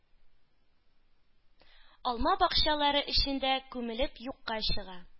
Алма бакчалары эчендә күмелеп юкка чыга.